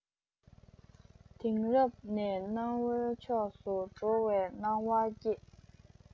དེང རབས ནས གནའ བོའི ཕྱོགས སུ འགྲོ བའི སྣང བ སྐྱེས